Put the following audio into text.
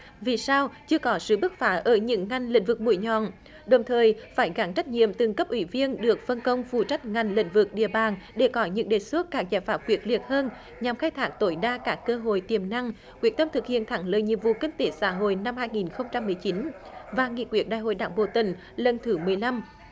vì sao chưa có sự bứt phá ở những ngành lĩnh vực mũi nhọn đồng thời phải gắn trách nhiệm từng cấp ủy viên được phân công phụ trách ngành lĩnh vực địa bàn để có những đề xuất các giải pháp quyết liệt hơn nhằm khai thác tối đa các cơ hội tiềm năng quyết tâm thực hiện thắng lợi nhiệm vụ kinh tế xã hội năm hai nghìn không trăm mười chín và nghị quyết đại hội đảng bộ tỉnh lần thứ mười năm